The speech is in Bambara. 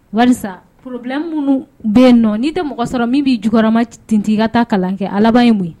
Walasa pbi minnu bɛ nɔ ni tɛ mɔgɔ sɔrɔ min b bɛ juma ttigi ka ta kalan kɛ alaba ye mun